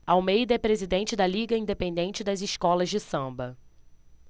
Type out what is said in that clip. almeida é presidente da liga independente das escolas de samba